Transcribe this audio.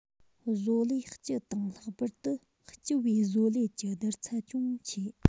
བཟོ ལས སྤྱི དང ལྷག པར དུ ལྕི བའི བཟོ ལས ཀྱི བསྡུར ཚད ཅུང ཆེ